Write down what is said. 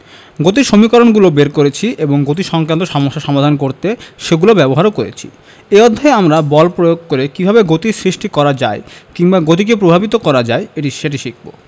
গতির সমীকরণগুলো বের করেছি এবং গতিসংক্রান্ত সমস্যা সমাধান করতে সেগুলো ব্যবহারও করেছি এই অধ্যায়ে আমরা বল প্রয়োগ করে কীভাবে গতির সৃষ্টি করা যায় কিংবা গতিকে প্রভাবিত করা যায় এটি সেটি শিখব